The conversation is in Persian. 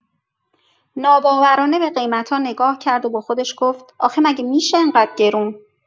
ناباورانه به قیمت‌ها نگاه کرد و با خودش گفت: آخه مگه می‌شه اینقدر گرون؟